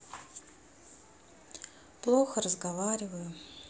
плохо разговариваю